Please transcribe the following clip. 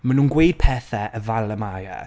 Mae nhw'n gweud pethe fel y mae e.